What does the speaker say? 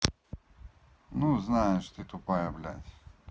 ну знаешь ты тупая блядь